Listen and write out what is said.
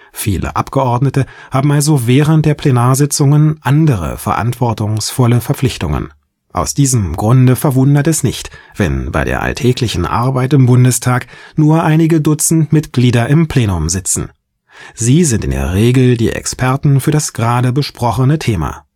Viele Abgeordnete haben also während der Plenarsitzungen andere verantwortungsvolle Verpflichtungen. Aus diesem Grunde verwundert es nicht, wenn bei der alltäglichen Arbeit im Bundestag nur einige Dutzend Mitglieder im Plenum sitzen – sie sind in aller Regel die Experten für das gerade besprochene Thema